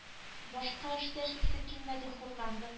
Башка эштә эшлисе килмәде хурланды